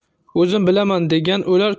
o'zim bilaman degan o'lar